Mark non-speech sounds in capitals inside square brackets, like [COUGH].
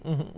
[HESITATION] [HESITATION]